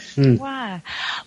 Hmm. Wa!